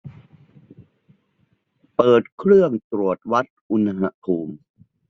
เปิดเครื่องตรวจวัดอุณหภูมิ